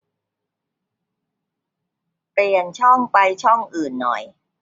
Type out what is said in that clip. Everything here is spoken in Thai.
เปลี่ยนช่องไปช่องอื่นหน่อย